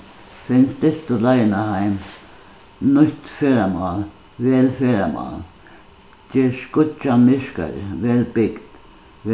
finn stytstu leiðina heim nýtt ferðamál vel ferðamál ger skíggjan myrkari vel bygd